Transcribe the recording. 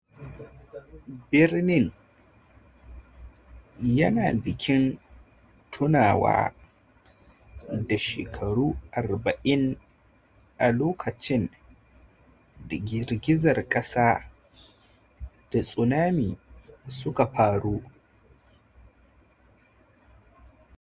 Birnin yana bikin tunawa da shekaru 40 a lokacin da girgizar kasa da tsunami suka fara.